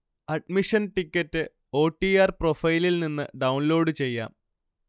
Admission ticket O. T. R പ്രൊഫൈലിൽനിന്ന് download ചെയ്യാം